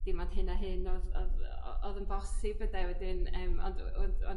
dim ond hyn a hyn odd odd o- odd yn bosib ynde wedyn yym ond